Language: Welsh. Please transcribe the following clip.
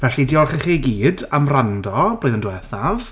Felly diolch i chi gyd, am wrando, blwyddyn diwethaf!